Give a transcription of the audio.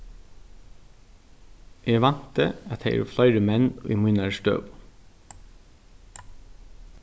eg vænti at tað eru fleiri menn í mínari støðu